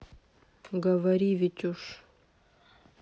говори витюш